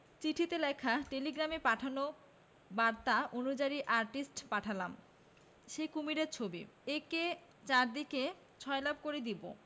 চিঠিতে লেখা টেলিগ্রামে পাঠানো বাত অনুযায়ী আর্টিস্ট পাঠালাম সে কুমীরের ছবি ঐকে চারদিকে ছয়লাপ করে দেবে